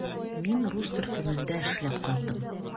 Мин рус төркемендә эшләп калдым.